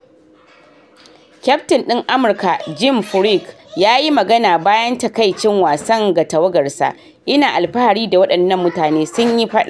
Kyaftin din Amurka Jim Furyk yayi magana bayan takaicin wasan ga tawagarsa, "Ina alfahari da wadannan mutanen, sun yi fada.